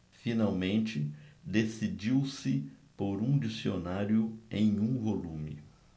finalmente decidiu-se por um dicionário em um volume